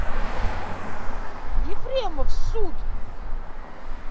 ефремов суд